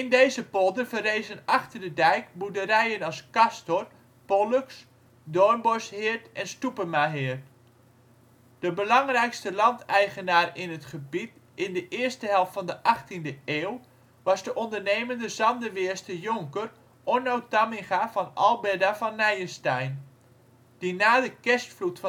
deze polder verrezen achter de dijk boerderijen als Castor, Pollux, Doornbosheerd en Stoepemaheerd. De belangrijkste landeigenaar in het gebied in de eerste helft van de 18e eeuw was de ondernemende Zandeweerster jonker Onno Tamminga van Alberda van Nijenstein, die na de Kerstvloed